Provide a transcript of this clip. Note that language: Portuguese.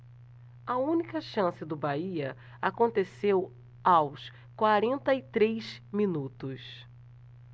a única chance do bahia aconteceu aos quarenta e três minutos